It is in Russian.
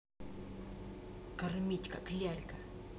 кормить как лялька